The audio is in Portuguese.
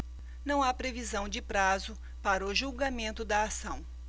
não há previsão de prazo para o julgamento da ação